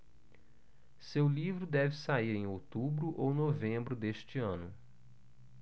seu livro deve sair em outubro ou novembro deste ano